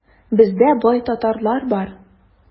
Бездә бай татарлар бар.